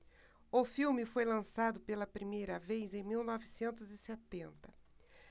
o filme foi lançado pela primeira vez em mil novecentos e setenta